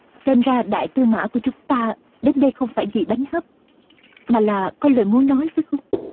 xem ra đại tư mã của chúng ta đến đây không phải vị bánh hấp mà là có lời muốn nói phải không